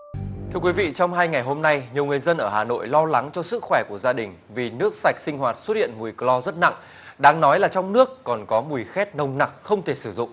thưa quý vị trong hai ngày hôm nay nhiều người dân ở hà nội lo lắng cho sức khỏe của gia đình vì nước sạch sinh hoạt xuất hiện mùi cờ lo rất nặng đáng nói là trong nước còn có mùi khét nồng nặc không thể sử dụng